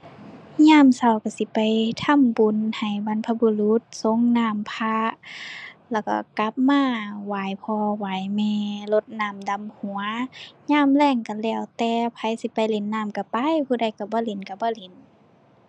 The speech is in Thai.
ยามเช้าเช้าสิไปทำบุญให้บรรพบุรุษ สรงน้ำพระ แล้วก็กลับมาไหว้พ่อไหว้แม่ รดน้ำดำหัว ยามแลงเช้าแล้วแต่ ไผสิไปเล่นน้ำเช้าไป ผู้ใดเช้าบ่เล่นเช้าบ่เล่น